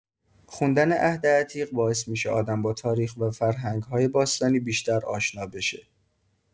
خوندن عهد عطیق باعث می‌شه آدم با تاریخ و فرهنگ‌های باستانی بیشتر آشنا بشه.